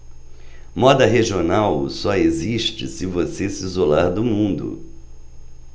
moda regional só existe se você se isolar do mundo